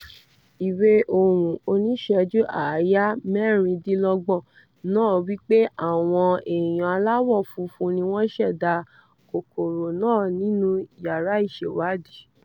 Ìwé-ohùn oníṣẹ̀júú-àáyá-26 náà wí pé àwọn èèyàn aláwọ̀ funfun ni wọ́n ṣẹ̀dá kòkòrò náà nínú yàrá ìṣèwádìí.